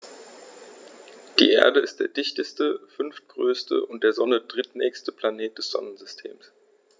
Die Erde ist der dichteste, fünftgrößte und der Sonne drittnächste Planet des Sonnensystems.